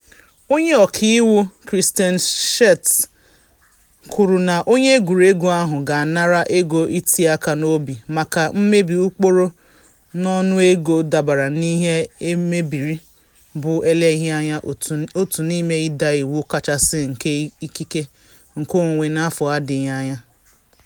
Onye ọka iwu Christian Schertz kwuru na onye egwuregwu ahụ ga-anara ego iti aka n’obi maka “ mmebi ụkpụrụ n’ọnụego dabara n’ihe emebiri, bụ eleghị anya otu n’ime ịda iwu kachasị nke ikike nkeonwe n’afọ adịghị anya.”